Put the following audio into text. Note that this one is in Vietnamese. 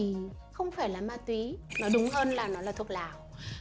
shisha thì không phải ma túy nói đúng hơn nó là thuốc lào